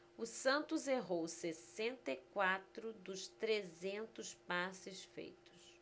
o santos errou sessenta e quatro dos trezentos passes feitos